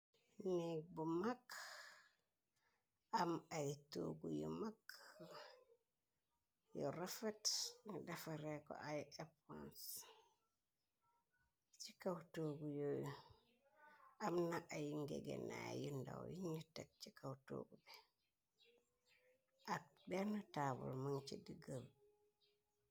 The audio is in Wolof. Nehgg bu mak am ay tohgu yu mak yu rafet, nju defarreh kor ay ehponse, ci kaw tohgu yoyu am na ay njehgeh naii yu ndaw yunju tek chi kaw tohgu bi, ak benue taabul mung chi digah.